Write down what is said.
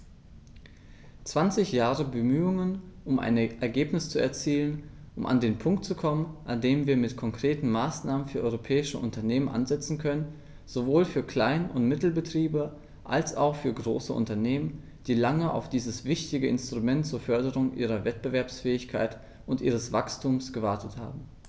Zwanzig Jahre Bemühungen, um ein Ergebnis zu erzielen, um an den Punkt zu kommen, an dem wir mit konkreten Maßnahmen für europäische Unternehmen ansetzen können, sowohl für Klein- und Mittelbetriebe als auch für große Unternehmen, die lange auf dieses wichtige Instrument zur Förderung ihrer Wettbewerbsfähigkeit und ihres Wachstums gewartet haben.